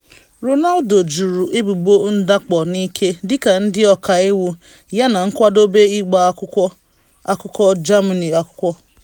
Ronaldo jụrụ ebubo ndakpo n’ike dịka ndị ọka iwu ya dị nkwadobe ịgba akwụkwọ akụkọ Germany akwụkwọ